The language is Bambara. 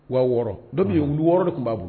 Wa wɔɔrɔ dɔ bɛ yen wu wɔɔrɔ de tun b'a bolo